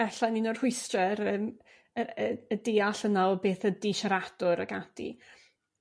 ella'n un o'r rhwystre yr yym y deall yna o beth ydi siaradwr? Ac ati